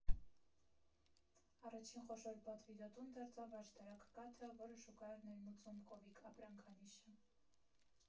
Առաջին խոշոր պատվիրատուն դարձավ «Աշտարակ կաթը», որը շուկա էր ներմուծում «Կովիկ» ապրանքանիշը։